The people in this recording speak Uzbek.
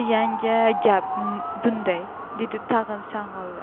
endi yanga gap bundoq dedi tag'in shang'illab